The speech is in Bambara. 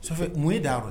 Mun ye d'a yɔrɔ